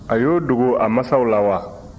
a y'o dogo a masaw la wa